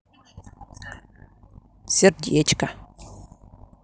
сердечко